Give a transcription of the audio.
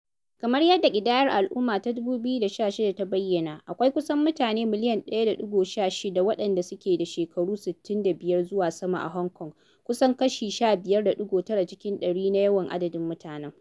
Kamar yadda ƙidayar al'umma ta 2016 ta bayyana, akwai kusan mutane miliyan 1.16 waɗanda suke da shekaru 65 zuwa sama a Hong Kong - kusan kashi 15.9 cikin ɗari na yawan adadin mutanen.